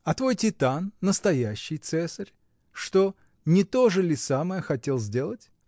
— А твой титан — настоящий Цесарь, что: не то же ли самое хотел сделать?